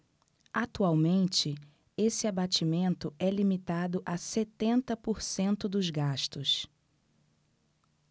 atualmente esse abatimento é limitado a setenta por cento dos gastos